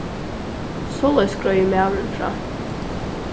soleiðis greiðir maðurin frá